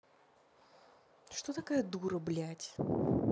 что такая дура блядь